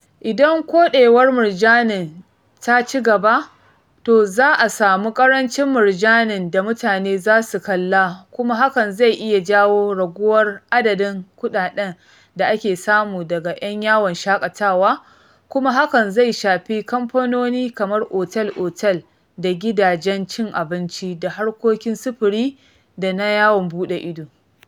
Idan koɗewar murjanin ta cigaba, to za a samu ƙarancin murjanin da mutane za su kalla kuma hakan zai iya jawo raguwar adadin kuɗaɗen da ake samu daga 'yan yawon shaƙatawa, kuma hakan zai shafi kamfanoni kamar otel-otel da gidajen cin abinci da harkokin sufuri da na yawon buɗe ido.